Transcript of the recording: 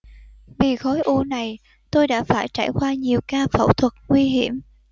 vì khối u này tôi đã phải trải qua nhiều ca phẫu thuật nguy hiểm